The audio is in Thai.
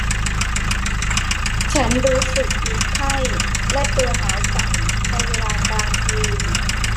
ฉันรู้สึกมีไข้และตัวหนาวสั่นในเวลากลางคืน